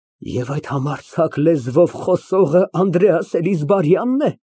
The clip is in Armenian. Եվ այդ համարձակ լեզվով խոսողը Անդրեաս Էլիզբարյա՞նն է։